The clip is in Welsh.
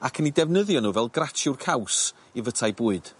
ac yn 'u defnyddio n'w fel gratiwr caws i fyta'u bwyd.